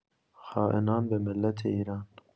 خائنان به ملت ایران